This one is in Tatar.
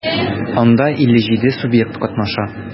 Анда 57 субъект катнаша.